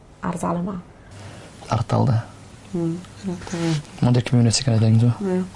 ardal yma. Ardal 'de? Hmm dwi'n meddwl ia. Mond y community knd of thing t'mo'? Ia?